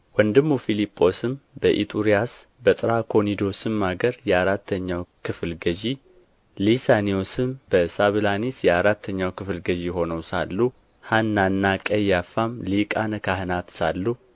ወንድሙ ፊልጶስም በኢጡርያስ በጥራኮኒዶስም አገር የአራተኛው ክፍል ገዥ ሊሳኒዮስም በሳቢላኒስ የአራተኛው ክፍል ገዥ ሆነው ሳሉ ሐናና ቀያፋም ሊቃነ ካህናት ሳሉ